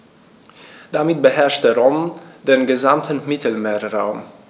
Damit beherrschte Rom den gesamten Mittelmeerraum.